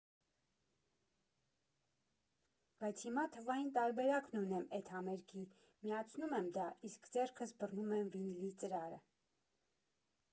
Բայց հիմա թվային տարբերակն ունեմ էդ համերգի՝ միացնում եմ դա, իսկ ձեռքս բռնում եմ վինիլի ծրարը։